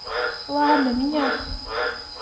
ладно меня